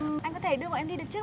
ừm anh có thể đưa bọn em đi được chứ